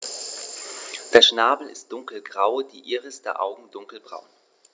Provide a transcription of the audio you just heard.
Der Schnabel ist dunkelgrau, die Iris der Augen dunkelbraun.